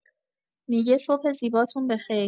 می‌گه صبح زیباتون بخیر